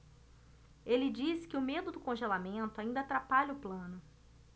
ele disse que o medo do congelamento ainda atrapalha o plano